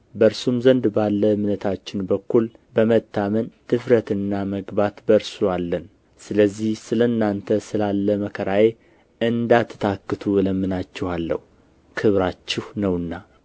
በእርሱም ዘንድ ባለ እምነታችን በኩል በመታመን ድፍረትና መግባት በእርሱ አለን ስለዚህ ስለ እናንተ ስላለ መከራዬ እንዳትታክቱ እለምናችኋለሁ ክብራችሁ ነውና